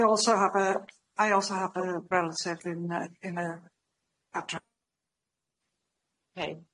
I I also have a I also have a relative in yy in y Adra.